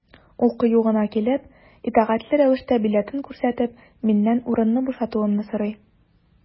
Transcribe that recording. Ул кыю гына килеп, итәгатьле рәвештә билетын күрсәтеп, миннән урынны бушатуымны сорый.